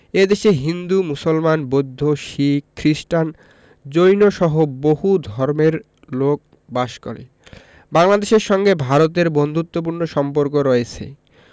এ দেশে হিন্দু মুসলমান বৌদ্ধ শিখ খ্রিস্টান জৈনসহ বহু ধর্মের লোক বাস করে বাংলাদেশের সঙ্গে ভারতের বন্ধুত্তপূর্ণ সম্পর্ক রয়ছে